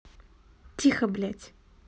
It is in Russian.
тихо блядь